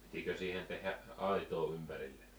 pitikö siihen tehdä aitaa ympärille